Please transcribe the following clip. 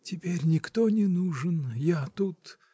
— Теперь никто не нужен: я тут!